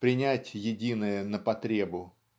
принять единое на потребу.